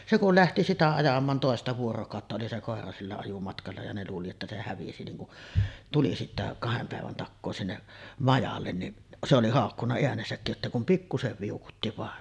se kun lähti sitä ajamaan toista vuorokautta oli se koira sillä ajomatkalla ja ne luuli että se hävisi niin kun tuli sitten kahden päivän takaa sinne majalle niin se oli haukkunut äänensäkin jotta ei kuin pikkuisen viukutti vain